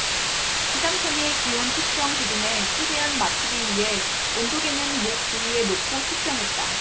기상청의 기온 측정 기준에 최대한 맞추기 위해 온도계는 목 부위에 놓고 측정했다